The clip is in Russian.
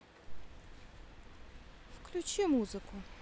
выключи музыку